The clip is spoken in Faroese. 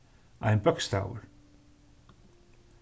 ein bókstavur